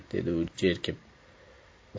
dedi u jerkib